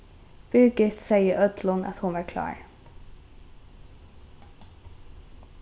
birgit segði øllum at hon var klár